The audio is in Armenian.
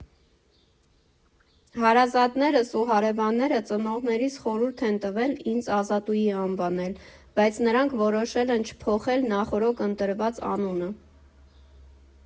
Հարազատներն ու հարևանները ծնողներիս խորհուրդ են տվել ինձ Ազատուհի անվանել, բայց նրանք որոշել են չփոխել նախօրոք ընտրված անունը։